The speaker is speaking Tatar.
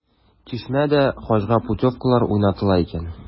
“чишмә”дә хаҗга путевкалар уйнатыла икән.